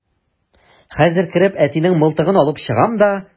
Хәзер кереп әтинең мылтыгын алып чыгам да...